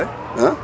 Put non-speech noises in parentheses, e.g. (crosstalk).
(hesitation) (hesitation)